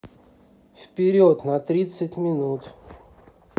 вперед на тридцать минут